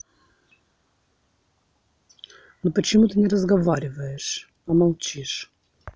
ну почему ты не разговариваешь а молчишь